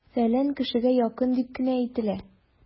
"фәлән кешегә якын" дип кенә әйтелә!